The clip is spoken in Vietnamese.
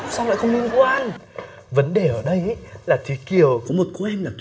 sao lại không liên quan vấn đề ở đây là thế kiểu có một cô em